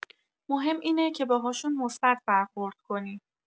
مهم اینه که باهاشون مثبت برخورد کنی.